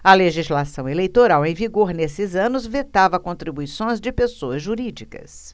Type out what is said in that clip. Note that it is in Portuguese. a legislação eleitoral em vigor nesses anos vetava contribuições de pessoas jurídicas